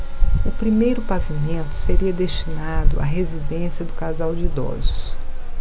o primeiro pavimento seria destinado à residência do casal de idosos